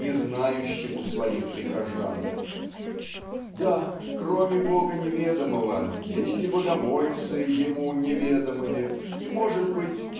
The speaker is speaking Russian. не знающему своих прихожан -- да кроме бога неведомого есть и богомольцы ему неведомые и может быть